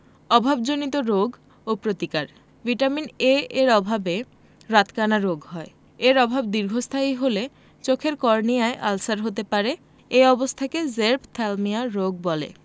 অভাবজনিত রোগ ও প্রতিকার ভিটামিন A এর অভাবে রাতকানা রোগ হয় এর অভাব দীর্ঘস্থায়ী হলে চোখের কর্নিয়ায় আলসার হতে পারে এ অবস্থাকে জেরপ্থ্যালমিয়া রোগ বলে